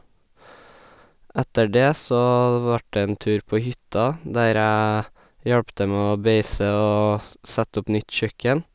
Etter det så vart det en tur på hytta, der jeg hjalp til med å beise og s sette opp nytt kjøkken.